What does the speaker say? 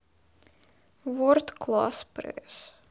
ворд класс пресс